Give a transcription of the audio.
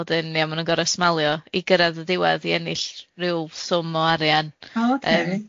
Wedyn ia ma' nw'n goro smailio i gyrradd y diwadd i ennill ryw swm o arian.